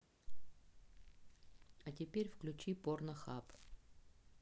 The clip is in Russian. а теперь включи порнохаб